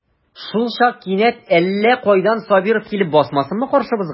Шулчак кинәт әллә кайдан Сабиров килеп басмасынмы каршыбызга.